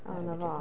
O, 'na fo.